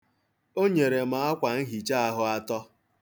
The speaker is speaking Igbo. O nyere m akwanhichaahụ atọ.